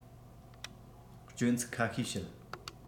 སྐྱོན ཚིག ཁ ཤས བཤད